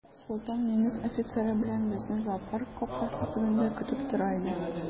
Солтан немец офицеры белән безне зоопарк капкасы төбендә көтеп тора иде.